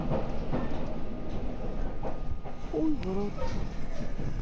хуй в рот